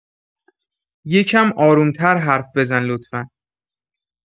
یه کم آروم‌تر حرف بزن لطفا